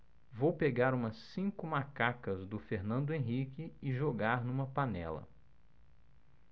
vou pegar umas cinco macacas do fernando henrique e jogar numa panela